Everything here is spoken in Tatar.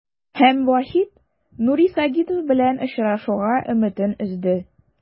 Һәм Вахит Нури Сагитов белән очрашуга өметен өзде.